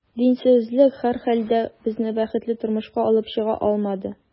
Динсезлек, һәрхәлдә, безне бәхетле тормышка алып чыга алмады.